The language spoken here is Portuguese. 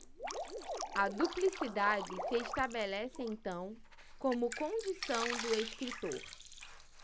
a duplicidade se estabelece então como condição do escritor